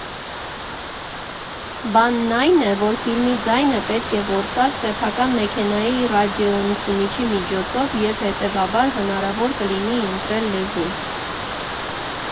Բանն այն է, որ ֆիլմի ձայնը պետք է որսալ սեփական մեքենայի ռադիոընդունիչի միջոցով և, հետևաբար, հնարավոր կլինի ընտրել լեզուն։